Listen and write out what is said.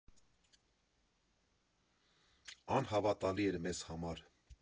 Անհավատալի էր մեզ համար։